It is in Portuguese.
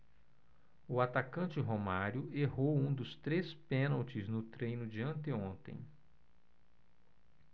o atacante romário errou um dos três pênaltis no treino de anteontem